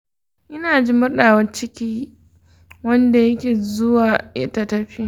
ina jin murɗawar ciki wadda take zuwa ta tafi.